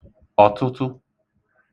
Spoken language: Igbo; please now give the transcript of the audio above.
ọ̀tụtụ